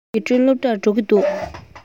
ཉི སྒྲོན སློབ གྲྭར འགྲོ གི འདུག